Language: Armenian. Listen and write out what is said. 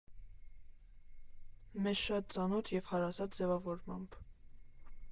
Մեզ շատ ծանոթ և հարազատ ձևավորմամբ։